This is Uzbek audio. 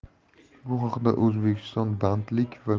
bu haqda o'zbekiston bandlik va